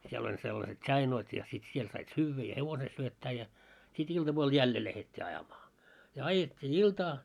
siellä oli sellaiset tsainoit ja sitten siellä sait syödä ja hevosen syöttää ja sitten iltapuolella jälleen lähdettiin ajamaan ja ajettiin iltaa